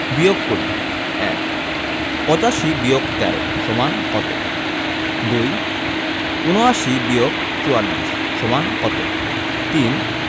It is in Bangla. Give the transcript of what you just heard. বিয়োগ করিঃ ১ ৮৫বিয়োগ১৩ সমান কত ২ ৭৯বিয়োগ৪৪ সমান কত ৩